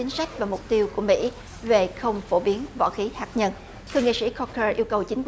chính sách và mục tiêu của mỹ về không phổ biến võ khí hạt nhân thượng nghị sĩ cúc cơ yêu cầu chính